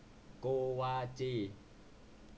โกวาจี